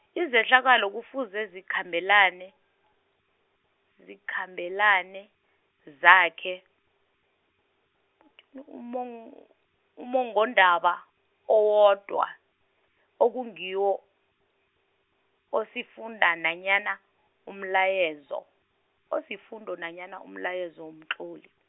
izehlakalo kufuze zikhambelane, zikhambelane, zakhe, umong- ummongondaba owodwa, okungiwo, osifunda nanyana, umlayezo, osifundo nanyana umlayezo womtloli.